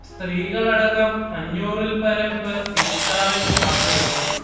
സ്ത്രീകളടക്കം അഞ്ഞൂറിൽ പരം പേർ ഇഫ്താറില്‍ പങ്കെടുത്തു